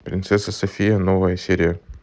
принцесса софия новая серия